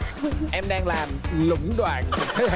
em đang làm lũng loạn